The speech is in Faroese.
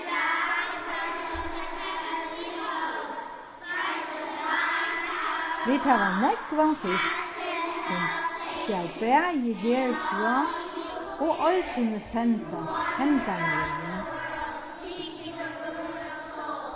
vit hava nógvan fisk sum skal bæði her frá og eisini sendast hendan vegin